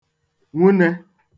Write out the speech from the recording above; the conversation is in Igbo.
nwune